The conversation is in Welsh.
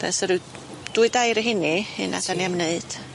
Da- so ryw dwy dair o rhinny hynna 'dan ni am neud.